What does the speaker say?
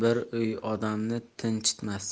uy odamni tinchitmas